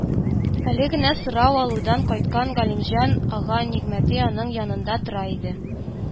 Әле генә сорау алудан кайткан Галимҗан ага Нигъмәти аның янында тора иде